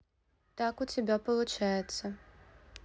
так у тебя получается